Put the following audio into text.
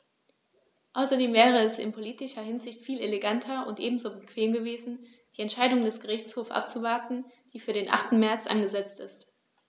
Außerdem wäre es in politischer Hinsicht viel eleganter und ebenso bequem gewesen, die Entscheidung des Gerichtshofs abzuwarten, die für den 8. März angesetzt ist.